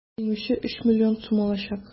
Җиңүче 3 млн сум алачак.